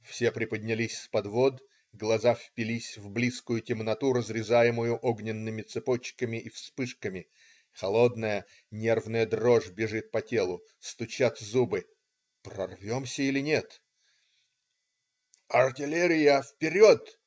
Все приподнялись с подвод, глаза впились в близкую темноту, разрезаемую огненными цепочками и вспышками, холодная, нервная дрожь бежит по телу, стучат зубы. Прорвемся или нет? "Артиллерия вперед!